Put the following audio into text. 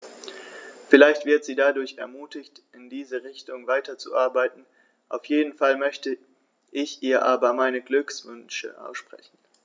Vielleicht wird sie dadurch ermutigt, in diese Richtung weiterzuarbeiten, auf jeden Fall möchte ich ihr aber meine Glückwünsche aussprechen.